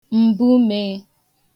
m̀bumee